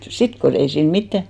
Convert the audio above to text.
sitten kun ei siinä mitään